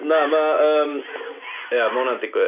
Na ma' yym... ia ma' hwnna'n digwydd.